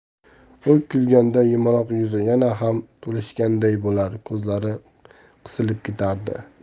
u kulganda yumaloq yuzi yana ham to'lishganday bo'lar ko'zlari qisilib ketardi